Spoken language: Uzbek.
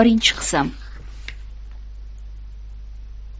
birinchi qism